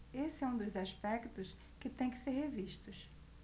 esse é um dos aspectos que têm que ser revistos